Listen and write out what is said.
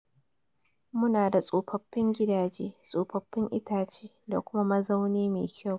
“Mu na da tsofaffin gidaje, tsoffafin itace da kuma mazauni mai kyau.